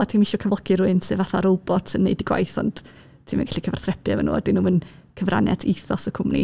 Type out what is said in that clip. a ti'm isio cyflogi rhywun sy fatha robot, yn wneud y gwaith ond, ti'm yn gallu cyfathrebu efo nhw a dyn nhw'm yn cyfrannu at ethos y cwmni.